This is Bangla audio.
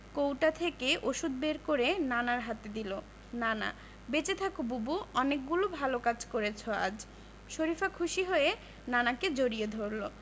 কৌটা থেকে ঔষধ বের করে নানার হাতে দিল নানা বেঁচে থাকো বুবু অনেকগুলো ভালো কাজ করেছ আজ শরিফা খুশি হয়ে নানাকে জড়িয়ে ধরল